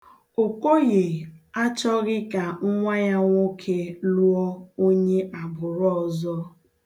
Okoye achọghị ka nwa ya nwoke lụọ onye agbụrụ ọzọ.